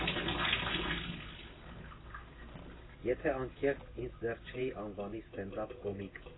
Եթե անկեղծ, ինձ դեռ չէի անվանի ստենդափ կոմիկ։